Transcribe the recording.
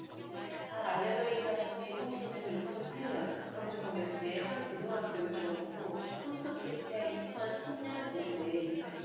잘 알려져 있다시피 송씨는 이천 팔 년 광주광역시의 한 고등학교를 졸업하고 삼 수 끝에 이천 십 년 제주대에 입학했다